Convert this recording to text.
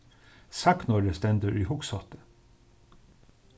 sagnorðið stendur í hugshátti